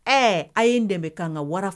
Ɛɛ a ye dɛmɛ bɛ ka ka wara